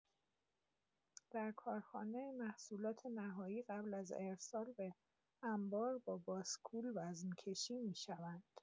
در کارخانه، محصولات نهایی قبل از ارسال به انبار با باسکول وزن‌کشی می‌شوند.